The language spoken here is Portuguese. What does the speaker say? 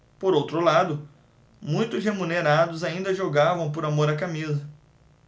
por outro lado muitos remunerados ainda jogavam por amor à camisa